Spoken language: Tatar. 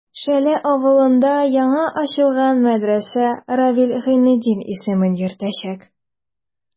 Шәле авылында яңа ачылган мәдрәсә Равил Гайнетдин исемен йөртәчәк.